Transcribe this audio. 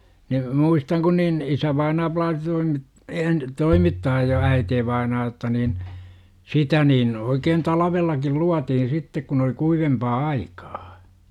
niin muistan kun niin isävainaa plaasi -- toimittaa ja äitivainaa jotta niin sitä niin oikein talvellakin luotiin sitten kun oli kuivempaa aikaa